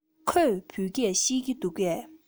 ཁོས བོད སྐད ཤེས ཀྱི འདུག གས